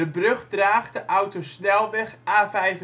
brug draagt de autosnelweg A75/E11